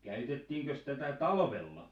käytettiinkös tätä talvella